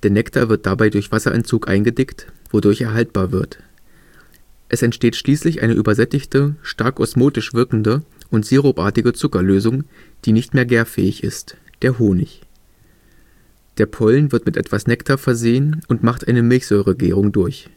Nektar wird dabei durch Wasserentzug eingedickt, wodurch er haltbar wird. Es entsteht schließlich eine übersättigte, stark osmotisch wirkende und sirupartige Zuckerlösung, die nicht mehr gärfähig ist, der Honig. Der Pollen wird mit etwas Nektar versehen und macht eine Milchsäuregärung durch